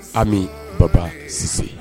A ni baba sise